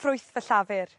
ffrwyth fy llafur.